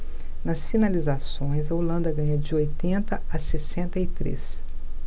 nas finalizações a holanda ganha de oitenta a sessenta e três